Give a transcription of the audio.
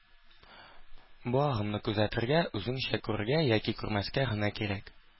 Бу агымны күзәтергә, үзеңчә күрергә, яки күрмәскә генә кирәк